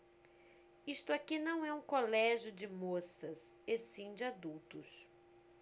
isto aqui não é um colégio de moças e sim de adultos